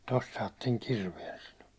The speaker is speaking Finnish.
tuosta saatte kirveen sanoi